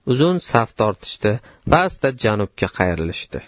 uzun saf tortishdi va asta janubga qayrilishdi